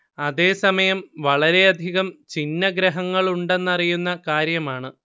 അതേ സമയം വളരെയധികം ഛിന്നഗ്രഹങ്ങളുണ്ടെന്ന് അറിയുന്ന കാര്യമാണ്